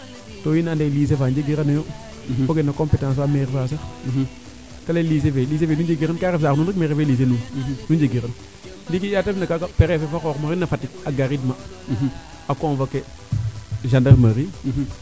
to wiin we andee ye Lycée faa njegirano yo foge no competence fa Maire faa sax te leye lycée fe lycée fee nu njigiran de kaa ref saax nuun rek mais refe Lycée nuun nu njigiran ndiiki yaata leyna kaaga prefet fa xoxum fee ref na Fatick a gariid ma a convoquer gendarmerie